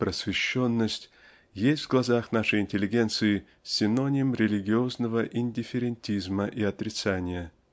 просвещенность есть в глазах нашей интеллигенции синоним религиозного индифферентизма и отрицания.